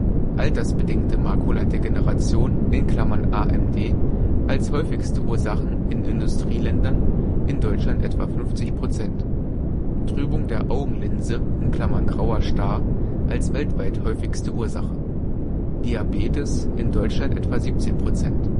altersbedingte Makuladegeneration (AMD) als häufigste Ursachen in Industrieländern, in D etwa 50 % Trübung der Augenlinse (grauer Star), als weltweit häufigste Ursache Diabetes, in D etwa 17 %